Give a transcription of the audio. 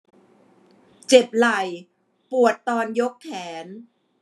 เจ็บไหล่ปวดตอนยกแขน